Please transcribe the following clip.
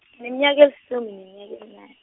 ngineminyaka elisumi neminyaka ebunane.